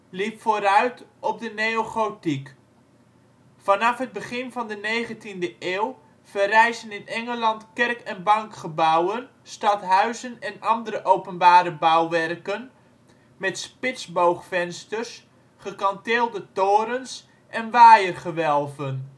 liep vooruit op de neogotiek. Vanaf het begin van de negentiende eeuw verrijzen in Engeland kerk - en bankgebouwen, stadhuizen en andere openbare bouwwerken met spitsboogvensters, gekanteelde torens en waaiergewelven